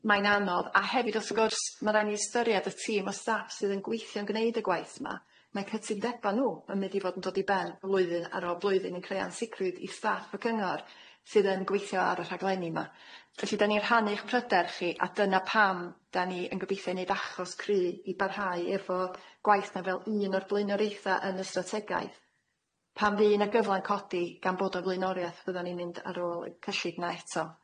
mae'n anodd a hefyd wrth gwrs ma' raid ni ystyried y tîm o staff sydd yn gweithio yn gneud y gwaith ma', mae cytundeba nw yn mynd i fod yn dod i ben flwyddyn ar ôl blwyddyn yn creu ansicrwydd i staff y cyngor sydd yn gweithio ar y rhaglenni ma', felly da ni rhannu'ch pryder chi a dyna pam da ni yn gobithio neud achos cry i barhau efo gwaith ma' fel un o'r blaenoraetha yn y strategaeth pan fu' na gyfla'n codi gan bod o flaenoriaeth fyddan ni'n mynd ar ôl y cyllid na eto.